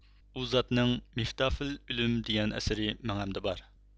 ئۇ زاتنىڭ مىفتاھىل ئۆلۈم دېگەن ئەسىرى مېڭەمدە بار